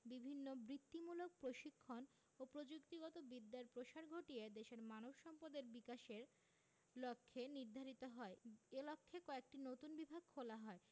বিভিন্ন বৃত্তিমূলক প্রশিক্ষণ ও প্রযুক্তিগত বিদ্যার প্রসার ঘটিয়ে দেশের মানব সম্পদের বিকাশের লক্ষ্য নির্ধারিত হয় এ লক্ষ্যে কয়েকটি নতুন বিভাগ খোলা হয়